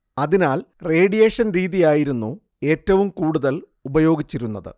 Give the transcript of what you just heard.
അതിനാൽ റേഡിയേഷൻ രീതിയായിരുന്നു ഏറ്റവും കൂടുതൽ ഉപയോഗിച്ചിരുന്നത്